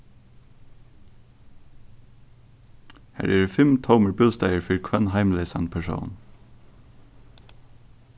har eru fimm tómir bústaðir fyri hvønn heimleysan persón